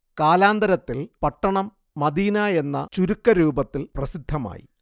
കാലാന്തരത്തിൽ പട്ടണം മദീന എന്ന ചുരുക്കരൂപത്തിൽ പ്രസിദ്ധമായി